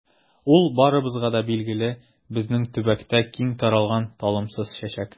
Ул барыбызга да билгеле, безнең төбәктә киң таралган талымсыз чәчәк.